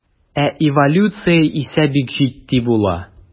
Ә эволюция исә бик җитди була.